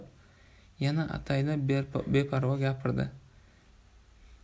yana ataylab beparvo gapirdi